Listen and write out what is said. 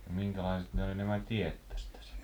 no minkälaiset ne oli nämä tiet tästä sinne